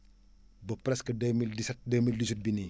ba presque 2017 2018 bii nii